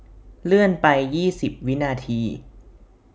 เลื่อนไปยี่สิบวินาที